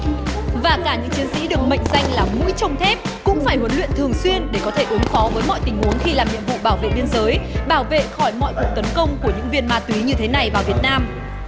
và cả những chiến sĩ được mệnh danh là mũi chông thép cũng phải huấn luyện thường xuyên để có thể ứng phó với mọi tình huống khi làm nhiệm vụ bảo vệ biên giới bảo vệ khỏi mọi cuộc tấn công của những viên ma túy như thế này vào việt nam